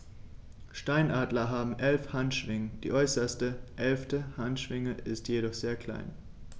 Steinadler haben 11 Handschwingen, die äußerste (11.) Handschwinge ist jedoch sehr klein.